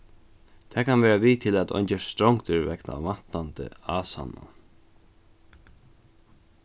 tað kann vera við til at ein gerst strongdur vegna vantandi ásannan